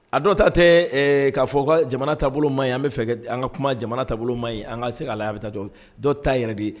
A dɔw t tɛ ɛɛ k'a lajɛ k'a fɔ ko jamana taabolo ma ɲi, an bɛ fɛ an ka kuma jamana taabolo ma ɲi, an ka se k'a lajɛ a bɛ taa cogo di? Dɔw ta yɛrɛ de ye